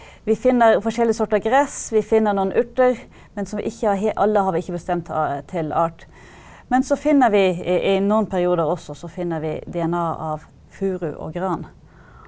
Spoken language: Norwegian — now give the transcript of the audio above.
vi finner forskjellige sorter gress, vi finner noen urter men som vi ikke har alle har vi ikke bestemt til art, men så finner vi i i noen perioder også så finner vi DNA av furu og gran.